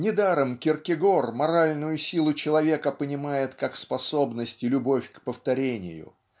Недаром Киркегор моральную силу человека понимает как способность и любовь к повторению.